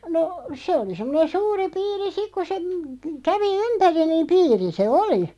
no se oli semmoinen suuri piiri sitten kun se - kävi ympäri niin piiri se oli